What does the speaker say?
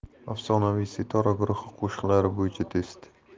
afsonaviy setora guruhi qo'shiqlari bo'yicha test